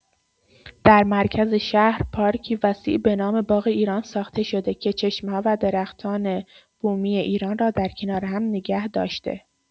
در مرکز شهر پارکی وسیع به نام «باغ ایران» ساخته شده که چشمه‌ها و درختان بومی ایران را در کنار هم نگه داشته.